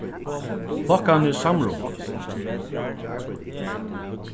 flokkarnir samráðast